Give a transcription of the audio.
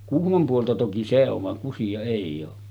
Kuhmon puolta toki se on vaan Kusia ei ole